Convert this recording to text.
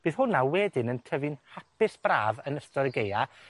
bydd hwnna wedyn yn tyfu'n hapus braf yn ystod y gaea,